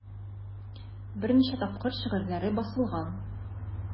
Берничә тапкыр шигырьләре басылган.